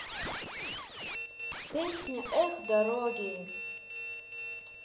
песня эх дороги